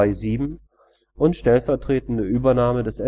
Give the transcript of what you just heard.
EU) und stellvertretende Übernahme des Endgerichts